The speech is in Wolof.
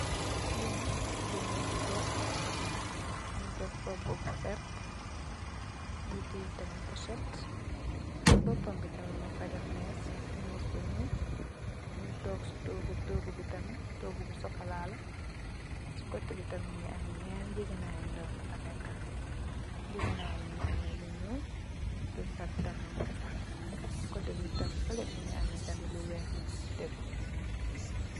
lenak jigeeb mofi tog mungi def robu bu veert mungi tee tamit pochet ci bopam bi tamit mung fa def mees mees bu nyool mungi tog ci togu togu bi tamit togu bu sokola la ci koteh bi tamit mungi ameh nyaari njegenaay yu ndaw yufa neka njegenaayi mungi ameh lu nyool lu veert tamit mung fa ci koteh bi tamit feleh mungi ameh tamit lu weex lufa tegu